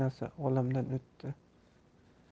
onasi olamdan o'tdi